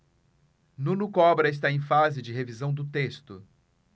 nuno cobra está em fase de revisão do texto